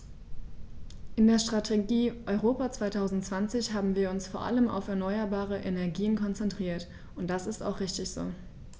In der Strategie Europa 2020 haben wir uns vor allem auf erneuerbare Energien konzentriert, und das ist auch richtig so.